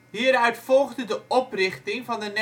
Hieruit volgde de oprichting van de